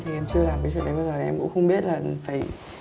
chưa làm cái chuyện đấy bao giờ em cũng không biết là phải